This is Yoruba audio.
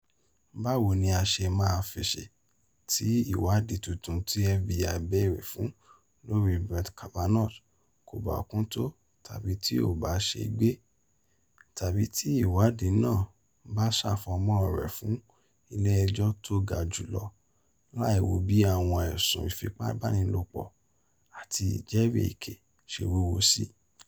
"Báwo ni a ṣe máa fèsì tí ìwádìí túntun tí F.B.I bèèrè fún lórí Brett Kavanaugh kò bá kún tó tàbí tí ó bá ṣègbè - tàbí tí ìwádìí náà bá ṣàfomọ́ rẹ̀ fún Ilé Ẹjọ́ tó ga jùlọ láìwo bí àwọn ẹ̀sùn ìfipabánilòpọ̀ àti ìjẹ́rìí èkè ṣe wúwo sí?